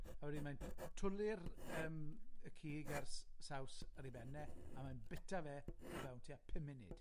a wedyn mae'n twli'r, yym, y cig a'r s- saws ar ei ben e, a mae'n bita fe o fewn tua pum munud.